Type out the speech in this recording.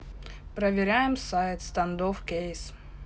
проверяем сайт standoff кейс